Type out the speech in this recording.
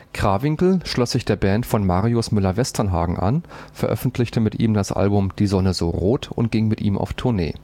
Krawinkel schloss sich der Band von Marius Müller-Westernhagen an, veröffentlichte mit ihm das Album „ Die Sonne so rot “und ging mit ihm auf Tournee